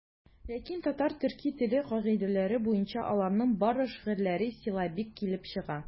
Ләкин татар-төрки теле кагыйдәләре буенча аларның барлык шигырьләре силлабик килеп чыга.